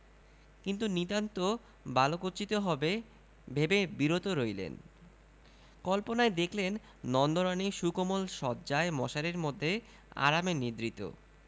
কিন্তু নিতান্ত বালকোচিত হবে ভেবে বিরত রইলেন কল্পনায় দেখলেন নন্দরানী সুকোমল শয্যায় মশারির মধ্যে আরামে নিদ্রিত